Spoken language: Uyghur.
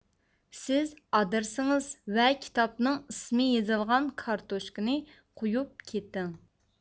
سىز ئادرېسىڭىز ۋە كىتابنىڭ ئىسمى يېزىلغان كارتوچكىنى قويۇپ كېتىڭ